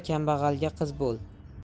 kambag'alga qiz bo'l